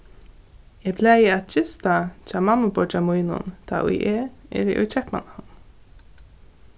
eg plagi at gista hjá mammubeiggja mínum tá ið eg eri í keypmannahavn